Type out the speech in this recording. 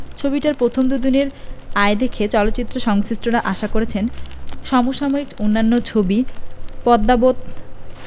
ছবিটার প্রথম দুইদিনের আয় দেখে চলচ্চিত্র সংশ্লিষ্টরা আশা করছেন সম সাময়িক অন্যান্য ছবি পদ্মাবত